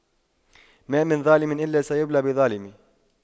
ما من ظالم إلا سيبلى بظالم